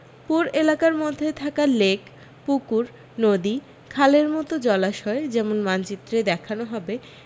পুর এলাকার মধ্যে থাকা লেক পুকুর নদী খালের মতো জলাশয় যেমন মানচিত্রে দেখানো হবে